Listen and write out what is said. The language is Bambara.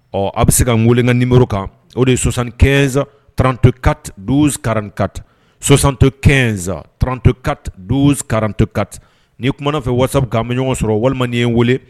Ɔ a bɛ se ka n weelekan ni mori kan o de ye sɔsan kɛɛnzsa trantokakararanka sɔsanto kɛzsa trantoka dokararantoka ni kuma fɛ waasa'a ma ɲɔgɔnɔgɔ sɔrɔ walima ye wele